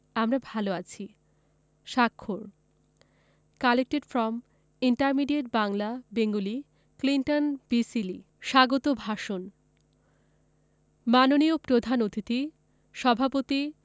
আমরা ভালো আছি স্বাক্ষর collected from intermediate Bangla Bengali Clinton B Seely স্বাগত ভাষণ মাননীয় প্রধান অতিথি সভাপতি